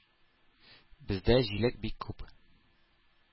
Бездә җиләк бик күп.